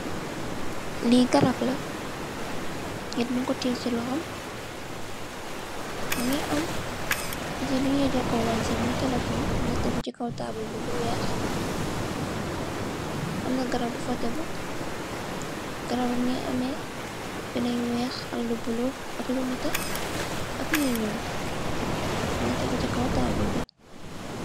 Li garab la nit mungko teyeh sey lohom Mungi am niti lunyo jokowanteh mui telephone mungko tekgu sey kaw tabul bi bu weih amna garab bufa tegu garab bi Mungi ameh binda yu weih ak lu blue ak lu neteh ak yu nyuul Mungi tegu sey kaw tabul bi.